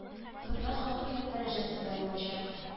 Хезмәт хакы ел дәрәҗәсендә булачак